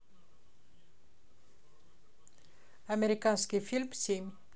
американский фильм семь